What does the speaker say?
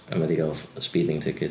A ma' 'di cael speeding ticket.